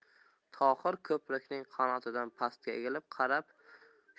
tohir ko'prikning qanotidan pastga egilib qarab